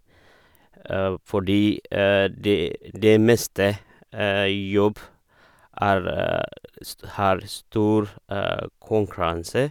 Fordi det det meste jobb er st har stor konkurranse.